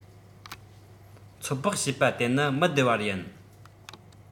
ཚོད དཔག བྱས པ དེ ནི མི བདེ བར ཡིན